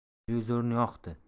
televizorni yoqdi